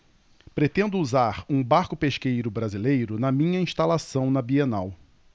pretendo usar um barco pesqueiro brasileiro na minha instalação na bienal